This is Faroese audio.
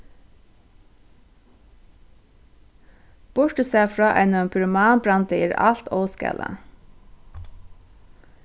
burtursæð frá einum pyromanbrandi er alt óskalað